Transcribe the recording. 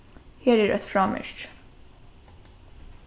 her er eitt frámerki